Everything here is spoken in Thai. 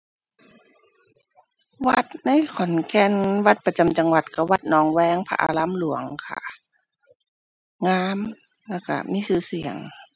วัดในขอนแก่น วัดประจำจังหวัดก็วัดหนองแวง พระอารามหลวงค่ะ งาม แล้วก็มีก็เสียง